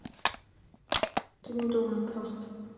ты не думай просто